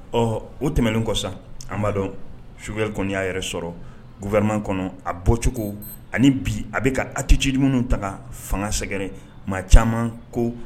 Ɔ o tɛmɛnen ko saba dɔn su wɛrɛ kɔni y'a yɛrɛ sɔrɔ guwaman kɔnɔ a bɔcogo ani bi a bɛ ka a tɛ cid minnu ta fanga sɛgɛrɛ maa caman ko